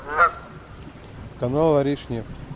канал аришнев